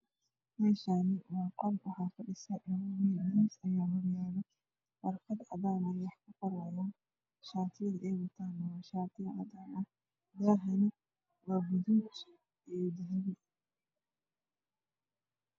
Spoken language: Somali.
Meeshaani waa qol waxaa fadhiyo warqado cadaan ayey wax ku qorayan shaatiayda ay wataan waa cadaan daahana waa guduud